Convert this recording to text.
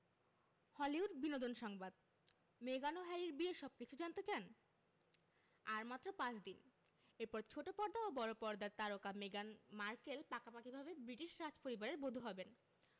Hollywood বিনোদন সংবাদ মেগান ও হ্যারির বিয়ের সবকিছু জানতে চান আর মাত্র পাঁচ দিন এরপর ছোট পর্দা ও বড় পর্দার তারকা মেগান মার্কেল পাকাপাকিভাবে ব্রিটিশ রাজপরিবারের বধূ হবেন